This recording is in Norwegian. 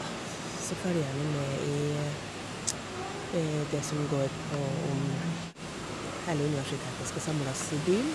Så følger jeg nå med i det som går på om hele universitetet skal samles i byn.